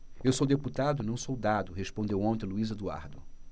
eu sou deputado e não soldado respondeu ontem luís eduardo